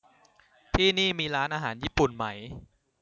ที่นี่มีร้านอาหารญี่ปุ่นไหม